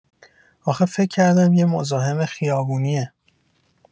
آخه فکر کردم یه مزاحم خیابونیه.